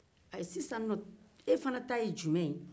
e fana ta ye jumɛn ye